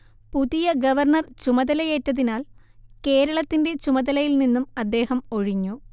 പുതിയ ഗവർണ്ണർ ചുമതലയേറ്റതിനാൽ കേരളത്തിന്റെ ചുമതലയിൽനിന്നും അദ്ദേഹം ഒഴിഞ്ഞു